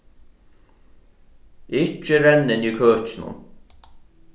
ikki renna inni í køkinum